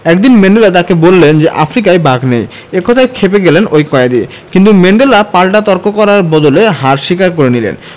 একদিন ম্যান্ডেলা তাঁকে বললেন যে আফ্রিকায় বাঘ নেই এ কথায় খেপে গেলেন ওই কয়েদি কিন্তু ম্যান্ডেলা পাল্টা তর্ক করার বদলে হার স্বীকার করে নিলেন